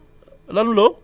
lan Lo